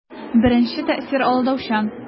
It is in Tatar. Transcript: Беренче тәэсир алдаучан.